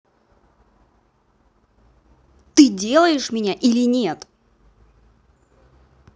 ты делаешь меня или нет